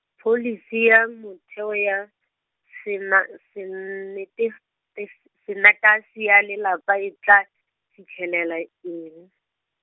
pholisi ya motheo ya sena-, senetete- -tes, sanetasi ya lelapa e tla, fitlhelela eng?